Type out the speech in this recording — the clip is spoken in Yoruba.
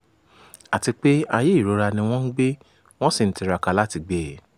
Àti pé ayé ìrora ni wọ́n ń gbé, wọ́n sì ń tiraka láti gbé.